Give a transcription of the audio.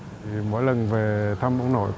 mỗi lần về thăm ông nội